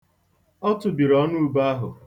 Ọ tụbiri ọnụ ube ahụ.